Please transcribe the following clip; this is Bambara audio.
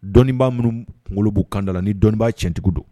Dɔnnii b' minnugolo b'u kanda la ni dɔnnii'a tiɲɛtigiw don